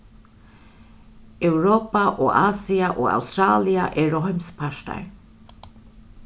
europa og asia og australia eru heimspartar